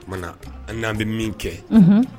Oumana na an nan bɛ min kɛ